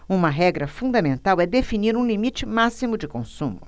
uma regra fundamental é definir um limite máximo de consumo